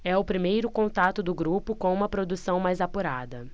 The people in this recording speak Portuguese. é o primeiro contato do grupo com uma produção mais apurada